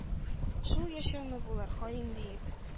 Шул яшәүме булыр, «хаин!» диеп,